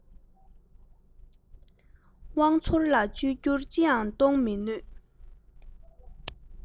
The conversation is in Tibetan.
དབང ཚོར ལ བཅོས བསྒྱུར ཅི ཡང གཏོང མི ནུས